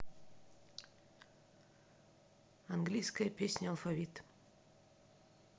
английская песня алфавит